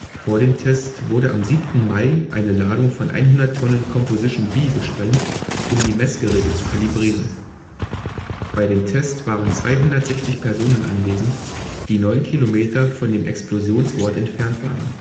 Vor dem Test wurde am 7. Mai eine Ladung von 100 Tonnen " Composition B " gesprengt, um die Messgeräte zu kalibrieren. Bei dem Test waren 260 Personen anwesend, die neun Kilometer von dem Explosionsort entfernt waren